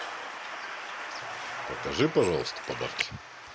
покажи пожалуйста подарки